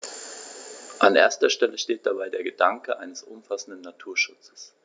An erster Stelle steht dabei der Gedanke eines umfassenden Naturschutzes.